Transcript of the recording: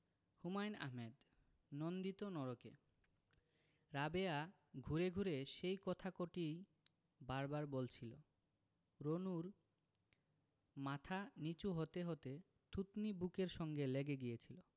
হুমায়ুন আহমেদ নন্দিত নরকে রাবেয়া ঘুরে ঘুরে সেই কথা কটিই বার বার বলছিলো রুনুর মাথা নীচু হতে হতে থুতনি বুকের সঙ্গে লেগে গিয়েছিলো